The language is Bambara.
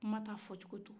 kuma ta fɔ cogo jɛ